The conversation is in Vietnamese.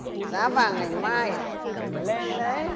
giá vàng ngày mai à lên đấy